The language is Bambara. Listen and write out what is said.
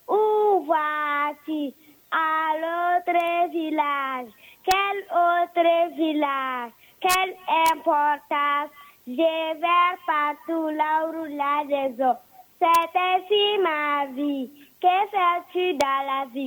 U baasiki kalor'i la kalori la karɛ kɔta de bɛ fatulauru lajɛ sɔrɔ sɛsi ma bin kasɛsida la bi